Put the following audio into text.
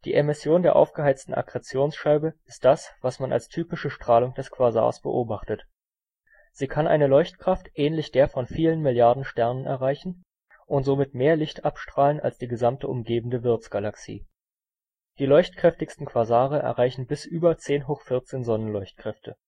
Emission der aufgeheizten Akkretionsscheibe ist das, was man als typische Strahlung des Quasars beobachtet. Sie kann eine Leuchtkraft ähnlich der von vielen Milliarden Sternen erreichen und somit mehr Licht abstrahlen als die gesamte umgebende Wirtsgalaxie. Die leuchtkräftigsten Quasare erreichen bis über 1014 Sonnenleuchtkräfte